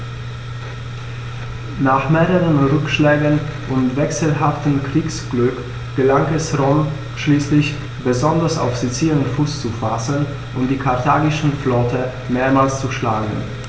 Nach mehreren Rückschlägen und wechselhaftem Kriegsglück gelang es Rom schließlich, besonders auf Sizilien Fuß zu fassen und die karthagische Flotte mehrmals zu schlagen.